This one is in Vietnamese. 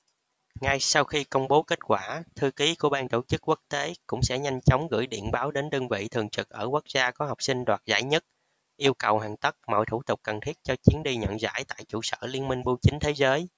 ngay sau khi công bố kết quả thư ký của ban tổ chức quốc tế cũng sẽ nhanh chóng gửi điện báo đến đơn vị thường trực ở quốc gia có học sinh đoạt giải nhất yêu cầu hoàn tất mọi thủ tục cần thiết cho chuyến đi nhận giải tại trụ sở liên minh bưu chính thế giới